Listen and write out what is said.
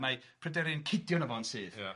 Mae Pryderi'n cidio arno fo'n syth... Ia.